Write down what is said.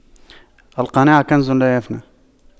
القناعة كنز لا يفنى